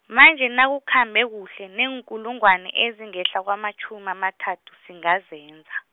manje nakukhambe kuhle, neenkulungwana ezingehla kwamatjhumi amathathu, singazenza.